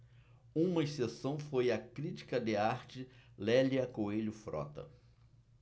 uma exceção foi a crítica de arte lélia coelho frota